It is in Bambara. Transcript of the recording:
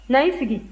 na i sigi